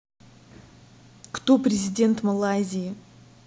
кто президент малайзии